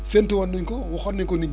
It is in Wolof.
séntu woon nañ ko waxoon nañ ko nit ñi